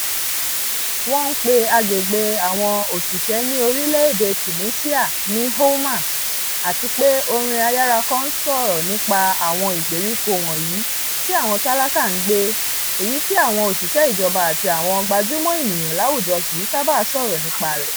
Wọ́n ń pe agbègbè àwọn òṣìṣẹ́ ní orílẹ̀ èdè Tunisia ní Houma... Àtipé orin ayárakọ ń sọ̀rọ̀ nípa àwọn ìgbèríko wọ̀nyí tí àwọn tálákà ń gbé, èyí tí àwọn òṣìṣẹ́ ìjọba àti àwọn gbajúmọ̀ ènìyàn láwùjọ kìí sábà sọ̀rọ̀ nípa rẹ̀.